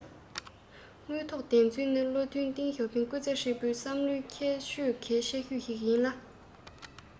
དངོས ཐོག བདེན འཚོལ ནི བློ མཐུན ཏེང ཞའོ ཕིང གི སྐུ ཚེ ཧྲིལ པོའི བསམ བློའི ཁྱད ཆོས གལ ཆེ ཤོས ཤིག ཡིན ལ